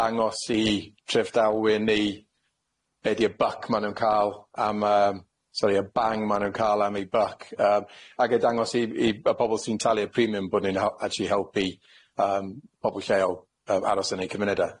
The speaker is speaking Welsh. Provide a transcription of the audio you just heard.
dangos i treftarwyr ni be' di'r buck ma' nw'n ca'l am yym sori y bang ma' nw'n ca'l am ei buck yym ag e dangos i i y pobol sy'n talu'r premium bo' ni'n hel- actually helpu yym pobol lleol yym aros yn eu cymunedau.